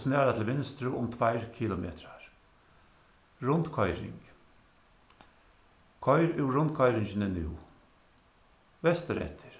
og snara til vinstru um tveir kilometrar rundkoyring koyr úr rundkoyringini nú vestureftir